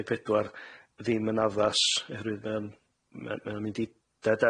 pumdeg pedwar ddim yn addas oherwydd yym ma' o'n mynd i dead-end